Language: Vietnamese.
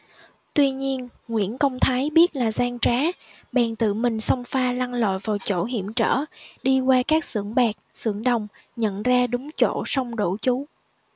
tuy nhiên nguyễn công thái biết là gian trá bèn tự mình xông pha lặn lội vào chỗ hiểm trở đi qua các xưởng bạc xưởng đồng nhận ra đúng chỗ sông đổ chú